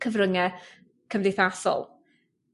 cyfrynge cymddeithasol?